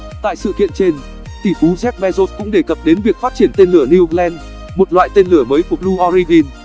tại sự kiện trên tỷ phú jeff bezos cũng đề cập đến việc phát triển tên lửa new glenn một loại tên lửa mới của blue origin